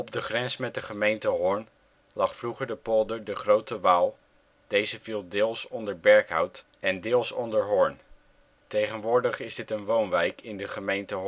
de grens met de gemeente Hoorn lag vroeger de polder de Grote Waal, deze viel deels onder Berkhout en deels onder Hoorn. (Tegenwoordig is dit een woonwijk in de gemeente